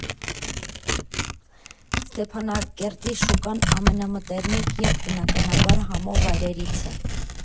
Ստեփանակերտի շուկան ամենամտերմիկ և, բնականաբար, համով վայրերից է։